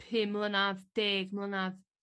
pum mlynadd deg mlynadd